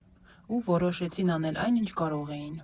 Ու որոշեցին անել այն, ինչ կարող էին.